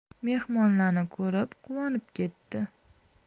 mehmonlarni ko'rib quvonib ketdi